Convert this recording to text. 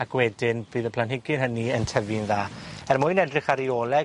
Aac wedyn bydd y planhigyn hynny yn tyfu'n dda. Er mwyn edrych ar 'i ôl e,